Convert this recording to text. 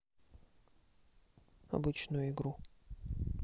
обычную игру